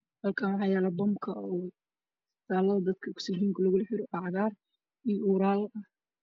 Halkan waxaa yala bamka oo isbitalada dadk logu xir ugsajiinka xiro oo cagar ah